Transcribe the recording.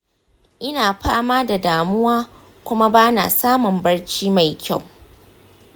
ina fama da damuwa kuma ba na samun barci mai kyau.